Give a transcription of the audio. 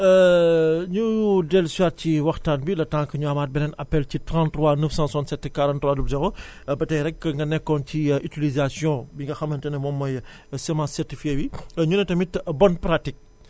ñu dellu si waat ci waxtaan bi le temps que ñu amaat beneen appel ci 33 967 43 00 ba tey rek nga nekkoon ci utisitaion bi nga xamante ne moom mooy semence certifiée bi ñu ne tamit bonne pratique